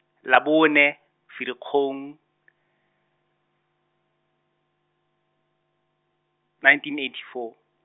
Labone, Ferikgong, nineteen eighty four.